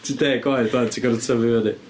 Ti'n deg oed 'wan, ti'n gorfod tyfu i fyny.